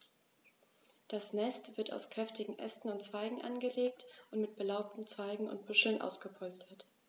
Das Nest wird aus kräftigen Ästen und Zweigen angelegt und mit belaubten Zweigen und Büscheln ausgepolstert.